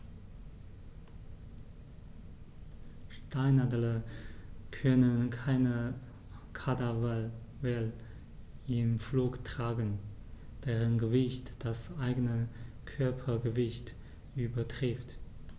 Steinadler können keine Kadaver im Flug tragen, deren Gewicht das eigene Körpergewicht übertrifft.